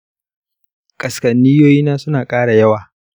kaskanniyoyi na su na ƙara yawa.